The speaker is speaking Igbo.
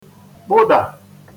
kpụdà